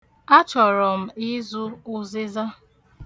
Achọrọ m ịzụ ụzịza.